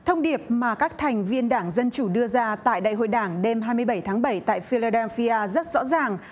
thông điệp mà các thành viên đảng dân chủ đưa ra tại đại hội đảng đêm hai mươi bảy tháng bảy tại phi la đê phi a rất rõ ràng